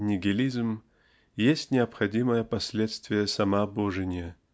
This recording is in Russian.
нигилизм есть необходимое последствие самообожения